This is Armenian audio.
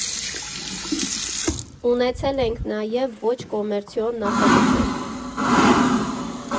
Ունեցել ենք նաև ոչ կոմերցիոն նախագծեր.